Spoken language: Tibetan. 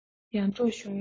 ཡར འབྲོག གཞུང ལ ཡོག རེད